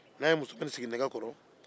n'a ye musomannin sigi nɛgɛ kɔrɔ